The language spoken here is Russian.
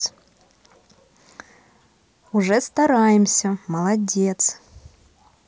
уже стараемся молодец